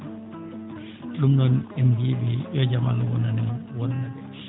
ɗum noon en mbiyii ɓe yo jam Allah wonan en wonanaɓe